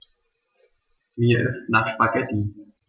Mir ist nach Spaghetti.